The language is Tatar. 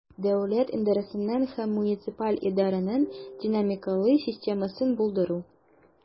Дәүләт идарәсенең һәм муниципаль идарәнең динамикалы системасын булдыру.